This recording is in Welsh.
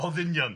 O ddynion.